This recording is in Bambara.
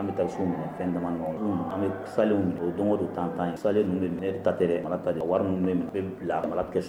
An bɛ taa sun minɛ fɛn dama an bɛ sa don don tan tan sa ninnu de tatɛ ala ta wari minnu bɛ bila